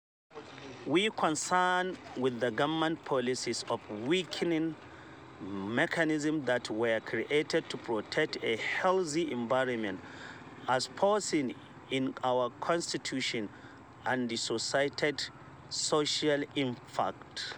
We are concerned with the government's policies of weakening mechanisms that were created to protect a healthy environment, as foreseen in our Constitution, and the associated social impacts.